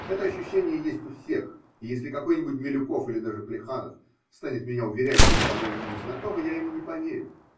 Это ощущение есть у всех, и если какой-нибудь Милюков или даже Плеханов станет меня уверять, будто оно ему не знакомо, я ему не поверю.